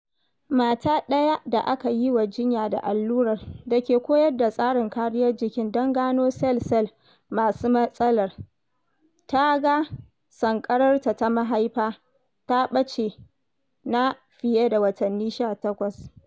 Mata ɗaya da aka yi wa jinya da allurar, da ke koyar da tsarin kariyar jikin don gano sel-sel masu matsalar, ta ga sankararta ta mahaifa ta ɓace na fiye da watanni 18.